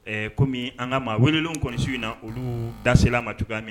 Ɛɛ kɔmi an ka maa welelen kɔniso in na olu dasela ma dug min